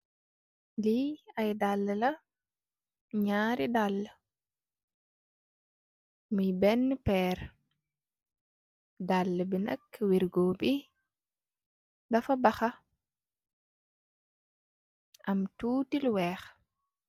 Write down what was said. Li aye dalluh la nyarri dalluh moi bena perr dalluh bi nak wergoh bi dafa bakha am tuti lu wekh